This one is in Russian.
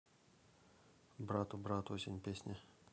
брату брат осень песня